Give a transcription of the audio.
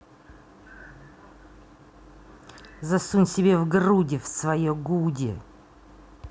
засунь себе в груди в свое goody